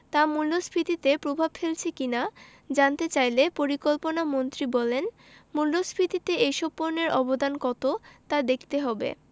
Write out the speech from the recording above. তা মূল্যস্ফীতিতে প্রভাব ফেলছে কি না জানতে চাইলে পরিকল্পনামন্ত্রী বলেন মূল্যস্ফীতিতে এসব পণ্যের অবদান কত তা দেখতে হবে